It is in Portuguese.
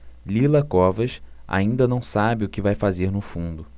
lila covas ainda não sabe o que vai fazer no fundo